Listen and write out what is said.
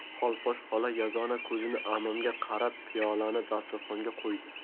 xolposh xola yagona ko'zini ammamga qadab piyolani dasturxonga qo'ydi